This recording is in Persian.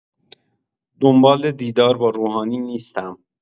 دنبال دیدار با روحانی نیستم.